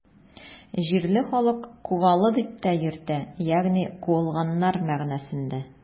Җирле халык Кугалы дип тә йөртә, ягъни “куылганнар” мәгънәсендә.